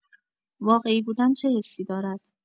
واقعی‌بودن چه حسی دارد؟